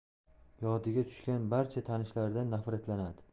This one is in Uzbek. yodiga tushgan barcha tanishlaridan nafratlandi